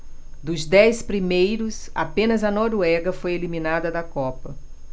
dos dez primeiros apenas a noruega foi eliminada da copa